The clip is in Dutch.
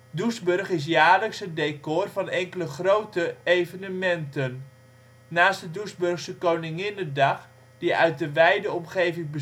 Doesburg is jaarlijks het decor voor enkele grote evenementen. Naast de Doesburgse koninginnedag die uit de wijde omgeving